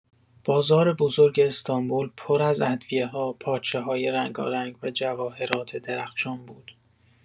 بازار بزرگ استانبول پر از ادویه‌ها، پارچه‌های رنگارنگ و جواهرات درخشان بود.